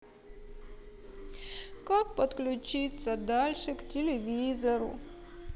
как подключиться дальше к телевизору